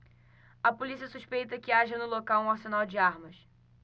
a polícia suspeita que haja no local um arsenal de armas